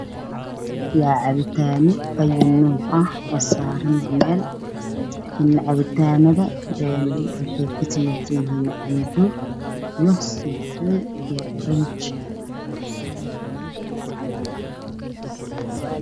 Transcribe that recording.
Waa cabitaano ayi nuuc ah oo saaran meel cabitaanada waa cambe, seytuun iyo oranji.